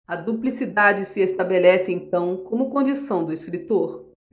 a duplicidade se estabelece então como condição do escritor